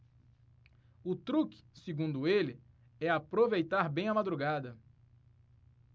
o truque segundo ele é aproveitar bem a madrugada